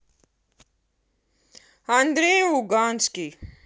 андрей луганский